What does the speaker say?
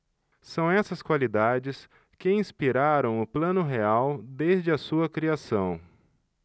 são essas qualidades que inspiraram o plano real desde a sua criação